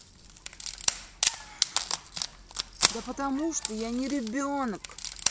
да потому что я не ребенок